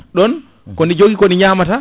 ɗon ko ndi joogui kodi ñamata